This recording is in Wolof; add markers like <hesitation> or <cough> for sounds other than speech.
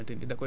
<hesitation> <hesitation>